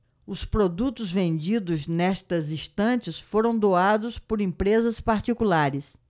os produtos vendidos nestas estantes foram doados por empresas particulares